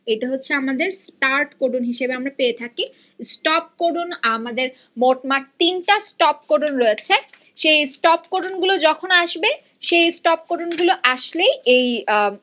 এটা হচ্ছে আমাদের স্টার্ট কোড হিসেবে পেয়ে থাকি স্টপ কোডন আমাদের মোট মাট তিনটা স্টপ কোডন রয়েছে সেই স্টপ কোডন গুলো যখন আসবে সেই স্টপ কোডন গুলো আসলেই এই